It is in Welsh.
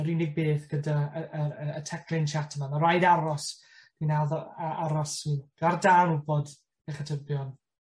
Yr unig beth gyda y yr y teclyn chat yma ma' raid aros wi'n a- dd- a- aros i... Ar dân wbod 'ych atebion.